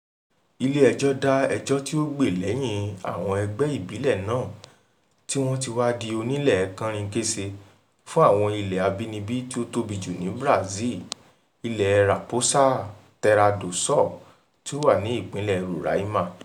Ilé ẹjọ́ dá ẹjọ́ tí ó gbè lẹ́yìn àwọn ẹgbẹ́ ìbílẹ̀ náà tí wọ́n ti wá di òǹnilẹ̀ kánrin-kése fún àwọn ilẹ̀ abínibí tí ó tóbi jù ní Brazil — ilẹ̀ẹ Raposa Terra do Sol, tí ó wà ní ìpínlẹ̀ Roraima.